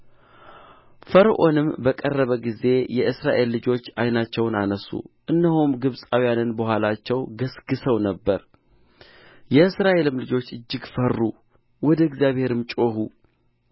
ፈርዖንም በቀረበ ጊዜ የእስራኤል ልጆች ዓይናቸውን አነሡ እነሆም ግብፃውያን በኋላቸው ገሥግስው ነበር የእስራኤልም ልጆች እጅግ ፈሩ ወደ እግዚአብሔርም ጮኹ